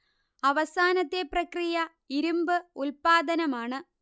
അവസാനത്തെ പ്രക്രിയ ഇരുമ്പ് ഉല്പാദനമാണ്